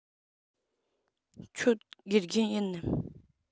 ཁྱོད དགེ རྒན ཡིན ནམ